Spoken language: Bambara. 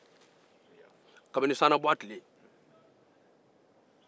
kabini sanabuwa tile